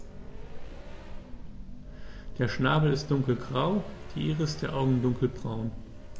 Der Schnabel ist dunkelgrau, die Iris der Augen dunkelbraun.